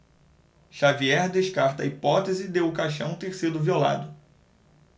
xavier descarta a hipótese de o caixão ter sido violado